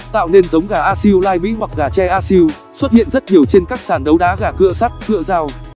tạo nên giống gà asil lai mỹ hoặc gà tre asil xuất hiện rất nhiều trên các sàn đấu đá gà cựa sắt cựa dao